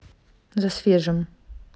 за свежим